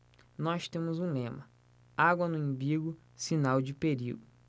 nós temos um lema água no umbigo sinal de perigo